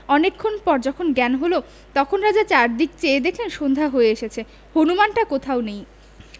অনেকক্ষণ পরে যখন জ্ঞান হল তখন রাজা চারদিক চেয়ে দেখলেন সন্ধ্যা হয়ে এসেছে হুনুমানটা কোথাও নেই